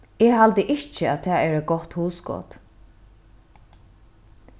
eg haldi ikki at tað er eitt gott hugskot